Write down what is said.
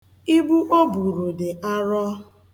Ibu o buru dị arọ.